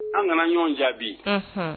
An kana ɲɔ ɲɔgɔn jaabi